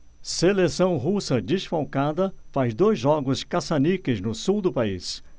seleção russa desfalcada faz dois jogos caça-níqueis no sul do país